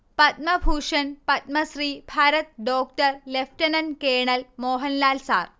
Padma Bhushan Padma Shri Bharat doctor lieutenant colonel Mohanlal sir